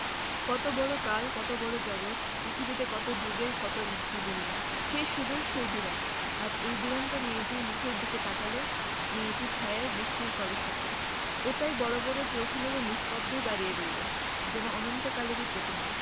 কত বড় কাল কত বড় জগত পৃথিবীতে কত জুগের কত জীবলীলা সেই সুদূর সেই বিরাট আজ এই দুরন্ত মেয়েটির মুখের দিকে তাকাল মেয়েটির ছায়ায় বৃষ্টির কলশব্দে ও তাই বড় বড় চোখ মেলে নিস্তব্ধ দাঁড়িয়ে রইল যেন অনন্তকালেরই প্রতিমা